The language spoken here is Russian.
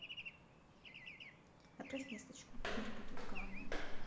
отправь весточку не работает главное